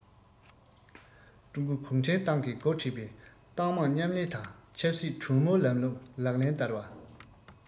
ཀྲུང གོ གུང ཁྲན ཏང གིས འགོ ཁྲིད པའི ཏང མང མཉམ ལས དང ཆབ སྲིད གྲོས མོལ ལམ ལུགས ལག ལེན བསྟར བ